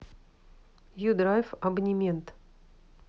ю драйв абонемент